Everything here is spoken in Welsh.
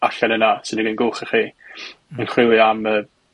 allan yna sy'n yn un gwch a chi, yn chwilio am y